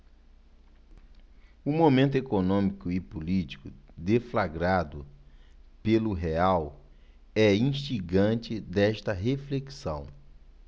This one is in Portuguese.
o momento econômico e político deflagrado pelo real é instigante desta reflexão